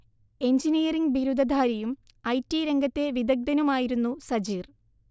engineering ബിരുദധാരിയും I T രംഗത്തെ വിദഗ്ദനുമായിരുന്നു സജീർ